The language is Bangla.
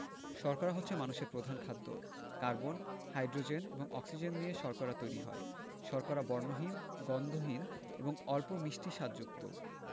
শর্করা হচ্ছে মানুষের প্রধান খাদ্য কার্বন হাইড্রোজেন এবং অক্সিজেন নিয়ে শর্করা তৈরি হয় শর্করা বর্ণহীন গন্ধহীন এবং অল্প মিষ্টি স্বাদযুক্ত